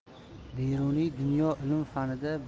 beruniy dunyo ilm fanida